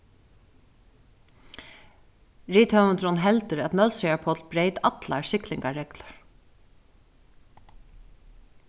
rithøvundurin heldur at nólsoyar páll breyt allar siglingarreglur